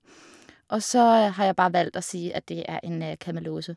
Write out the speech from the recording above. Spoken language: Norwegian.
Og så har jeg bare valgt å si at det er en Kamelose.